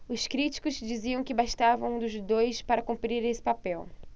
os críticos diziam que bastava um dos dois para cumprir esse papel